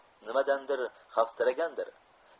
nimadandir xavfsiragandir